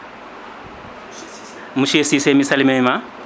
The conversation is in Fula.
monsieur mi salminima